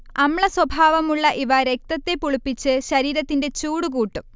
അമ്ലസ്വഭാവമുള്ള ഇവ രക്തത്തെ പുളിപ്പിച്ച് ശരീരത്തിന്റെ ചൂടു കൂട്ടും